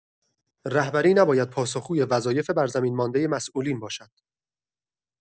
رهبری نباید پاسخگوی وظایف بر زمین مانده مسئولین باشد.